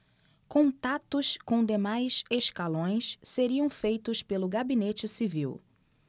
contatos com demais escalões seriam feitos pelo gabinete civil